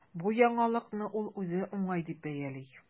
Бу яңалыкны ул үзе уңай дип бәяли.